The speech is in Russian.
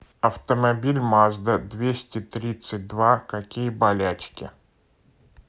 автомобиль мазда двести тридцать два какие болячки